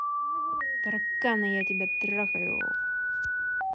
тараканы я тебя трахаю